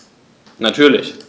Natürlich.